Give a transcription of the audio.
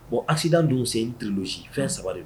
Bon accident dun c'est une rilogie fɛn saba de don